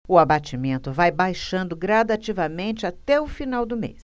o abatimento vai baixando gradativamente até o final do mês